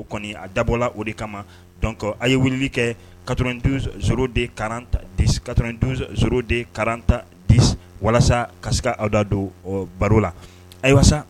O kɔni a dabɔla o de kama donc a' ye weleli kɛ 92 02 40 10 walasa ka se ka aw da don o baro la ayiwa saa